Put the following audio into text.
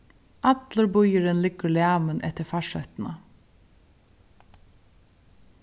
allur býurin liggur lamin eftir farsóttina